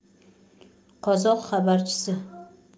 qozoq xabarchisi